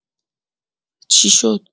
چی شد؟